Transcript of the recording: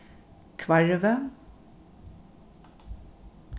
hvarvið